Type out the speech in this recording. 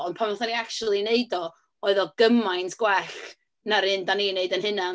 Ond pan wnaethon ni achsyli wneud o, oedd o gymaint gwell na'r un dan ni'n wneud yn hunain.